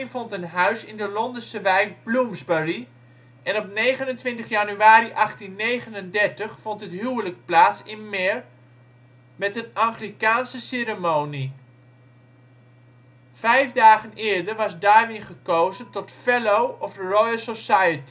vond een huis in de Londense wijk Bloomsbury en op 29 januari 1839 vond het huwelijk plaats in Maer, met een Anglicaanse ceremonie. Vijf dagen eerder was Darwin gekozen tot Fellow of the